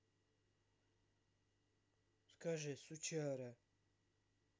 скажи сучара